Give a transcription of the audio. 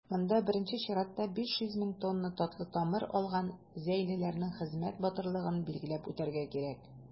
Монда, беренче чиратта, 500 мең тонна татлы тамыр алган зәйлеләрнең хезмәт батырлыгын билгеләп үтәргә кирәк.